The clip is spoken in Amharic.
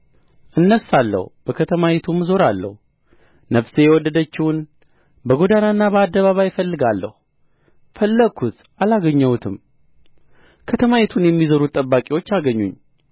እነሣለሁ በከተማይቱም እዞራለሁ ነፍሴ የወደደችውን በጎዳናና በአደባባይ እፈልጋለሁ ፈለግሁት አላገኘሁትም ከተማይቱን የሚዞሩት ጠባቂዎች አገኙኝ